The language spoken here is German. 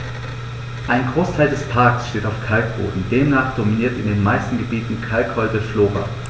Ein Großteil des Parks steht auf Kalkboden, demnach dominiert in den meisten Gebieten kalkholde Flora.